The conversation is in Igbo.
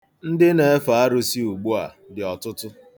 Ndị na-efe arụsị ugbu a dị ọtụtụ.